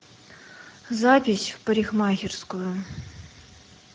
запись в парикмахерскую